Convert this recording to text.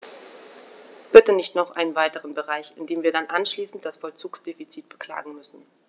Bitte nicht noch einen weiteren Bereich, in dem wir dann anschließend das Vollzugsdefizit beklagen müssen.